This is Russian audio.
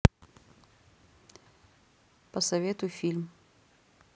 посоветуй фильм